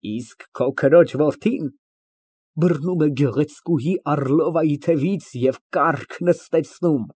Իսկ քո քրոջ որդին բռնում է գեղեցկուհի Առլովայի թևից և կառք նստեցնում։